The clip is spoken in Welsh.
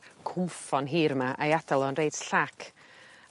cwmffon hir 'ma a'i adael o'n reit llac.